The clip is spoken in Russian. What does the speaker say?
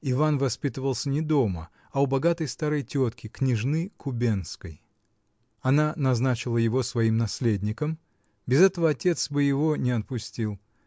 Иван воспитывался не дома, а у богатой старой тетки, княжны Кубенской: она назначила его своим наследником (без этого отец бы его не отпустил)